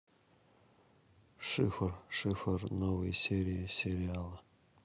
шифр шифр новые серии сериала